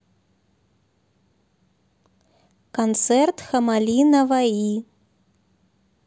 концерт хамали наваи